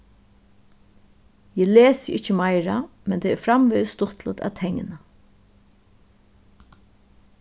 eg lesi ikki meira men tað er framvegis stuttligt at tekna